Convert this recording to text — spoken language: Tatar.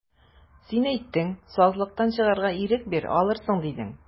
Син әйттең, сазлыктан чыгарга ирек бир, алырсың, дидең.